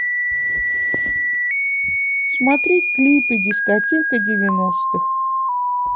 смотреть клипы дискотека девяностых